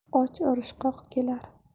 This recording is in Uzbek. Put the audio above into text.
och urishqoq kelar